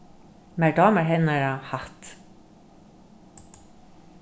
mær dámar hennara hatt